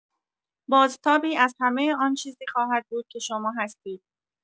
بازتابی از همه آن چیزی خواهد بود که شما هستید.